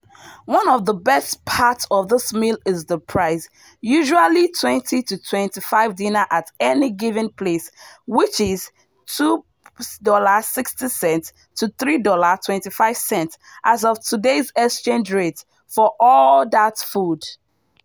One of the best parts of this meal is the price, usually 20-25 DH at any given place which is $2.60-3.25 as of today’s exchange rate- for all that food!